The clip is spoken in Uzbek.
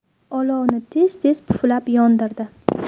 olovni tez tez puflab yondirdi